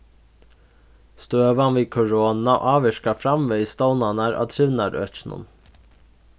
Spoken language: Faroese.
støðan við korona ávirkar framvegis stovnarnar á trivnaðarøkinum